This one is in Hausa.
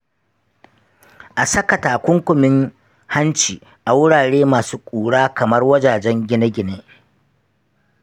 a saka takunkumin hanci a wurare masu ƙura kamar wajajen gine-gine.